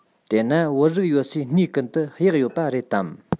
དེ ན བོད རིགས ཡོད སའི གནས ཀུན ཏུ གཡག ཡོད པ རེད དམ